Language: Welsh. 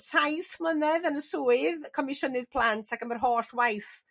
saith mlynedd yn y swydd Comisiynydd Plant ag am yr holl waith